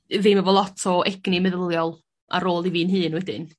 yy ddim efo lot o egni meddyliol ar ôl i fi'n hun wedyn.